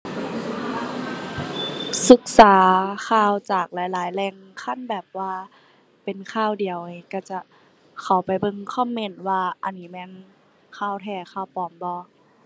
ศึกษาข่าวจากหลายหลายแหล่ง คันแบบว่าเป็นข่าวเดียวนี่ก็จะเข้าไปเบิ่งคอมเมนต์ว่าอันนี้แม่นข่าวแท้ข่าวปลอมบ่